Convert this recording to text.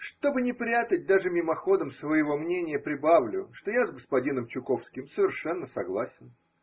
Чтобы не прятать даже мимоходом своего мнения, прибавлю, что я с господином Чуковским совершенно согласен